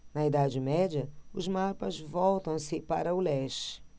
na idade média os mapas voltam-se para o leste